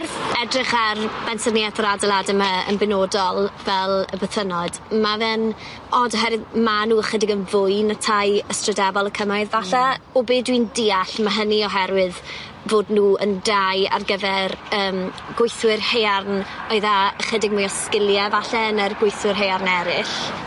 Wrth edrych ar bensarnieth yr adeilade yma yn benodol, fel y bythynod, ma' fe'n od oherwydd ma' nw ychydig yn fwy na tai ystrydebol y cymoedd falle. Hmm. O be' dwi'n deall ma' hynny oherwydd fod nw yn dai ar gyfer yym gweithwyr haearn oedd â ychydig mwy o sgilie falle ny'r gweithwyr haearn eryll.